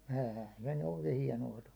eihän se nyt oikein hienoa tullut